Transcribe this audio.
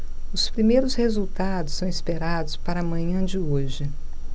os primeiros resultados são esperados para a manhã de hoje